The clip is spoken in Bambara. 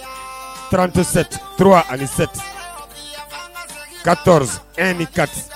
T tɛ t ani seti ka t e ni kati